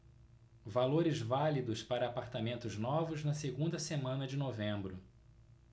valores válidos para apartamentos novos na segunda semana de novembro